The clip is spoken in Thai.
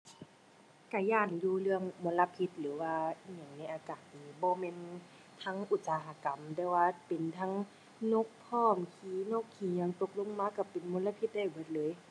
ก็ย้านอยู่เรื่องมลพิษหรือว่าอิหยังในอากาศนี่ บ่แม่นทางอุตสาหกรรม แต่ว่าเป็นทางนกพร้อม ขี้นก ขี้หยังตกลงมาก็เป็นมลพิษได้เบิดเลย